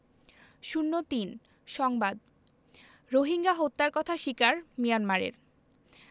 ০৩ সংবাদ রোহিঙ্গা হত্যার কথা স্বীকার মিয়ানমারের